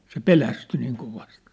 se pelästyi niin kovasti